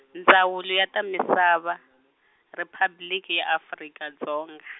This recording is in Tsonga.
Ndzawulo ya ta Misava, Riphabliki ya Afrika Dzonga.